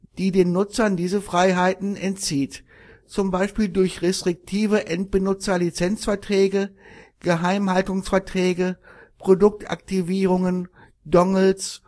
die den Nutzern diese Freiheiten entzieht, z. B. durch restriktive Endbenutzer-Lizenzverträge, Geheimhaltungsverträge, Produktaktivierungen, Dongles